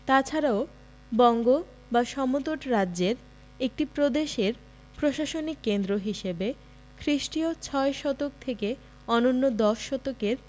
তা ছাড়াও বঙ্গ বা সমতট রাজ্যের একটি প্রদেশের প্রশাসনিক কেন্দ্র হিসেবে খ্রিস্টীয় ছয় শতক থেকে অনূন্য দশ শতকের